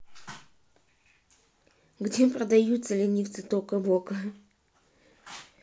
где продаются ленивцы тока бока